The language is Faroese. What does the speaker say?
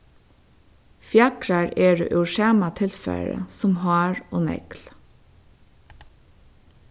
fjaðrar eru úr sama tilfari sum hár og negl